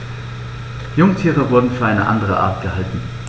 Jungtiere wurden für eine andere Art gehalten.